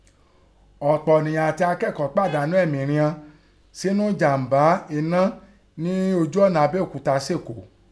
Ọ̀pọ̀ ọ̀ọ̀ǹyàn àti akẹ́kọ̀ọ́ pàdánù emí righọn sẹ́nú ẹ̀jàmbá ẹná ni ojú ọ̀nà Abẹ́òkúta s'Èkó.